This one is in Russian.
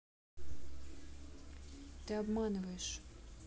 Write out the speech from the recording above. ты обманываешь